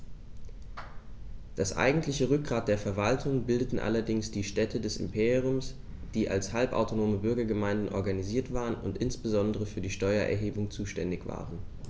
Das eigentliche Rückgrat der Verwaltung bildeten allerdings die Städte des Imperiums, die als halbautonome Bürgergemeinden organisiert waren und insbesondere für die Steuererhebung zuständig waren.